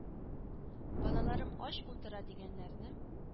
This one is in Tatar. Балаларым ач утыра , дигәннәрне